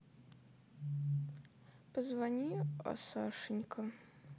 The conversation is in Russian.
позвони а сашенька